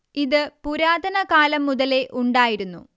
ഇത് പുരാതന കാലം മുതലേ ഉണ്ടായിരുന്നു